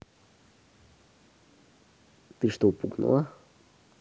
ты что пукнула